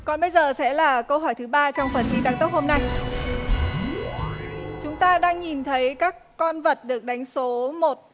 còn bây giờ sẽ là câu hỏi thứ ba trong phần thi tăng tốc hôm nay chúng ta đang nhìn thấy các con vật được đánh số một